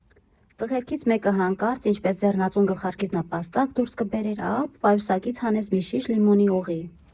Տղերքից մեկը հանկարծ, ինչպես ձեռնածուն գլխարկից նապաստակ դուրս կբերեր, աաա՜փ, պայուսակից հանեց մի շիշ լիմոնի օղի։